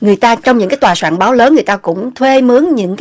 người ta trong những cái tòa soạn báo lớn người ta cũng thuê mướn những